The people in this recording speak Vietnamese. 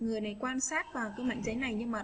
người để quan sát vào tủ lạnh thế này nhưng